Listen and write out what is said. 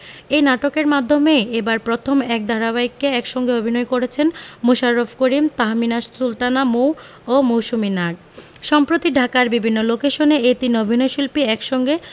এ নাটকের মাধ্যমে এবারই প্রথম এক ধারাবাহিকে একসঙ্গে অভিনয় করছেন মোশাররফ করিম তাহমিনা সুলতানা মৌ ও মৌসুমী নাগ সম্প্রতি ঢাকার বিভিন্ন লোকেশনে এ তিন অভিনয়শিল্পী একসঙ্গে